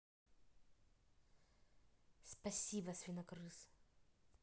спасибо свинокрыс